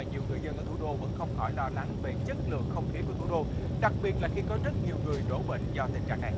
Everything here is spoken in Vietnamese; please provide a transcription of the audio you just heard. nhiều người dân ở thủ đô vẫn không khỏi lo lắng về chất lượng không khí của thủ đô đặc biệt là khi có rất nhiều người đổ bệnh do tình trạng này